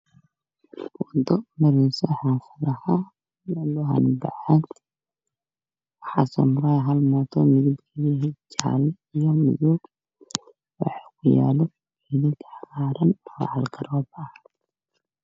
Waa wado mareyso xaafado oo bacaad ah waxaa mareyso hal mooto oo jaale iyo madow ah waxaa kuyaalo geedo cagaaran oo caligaroob ah.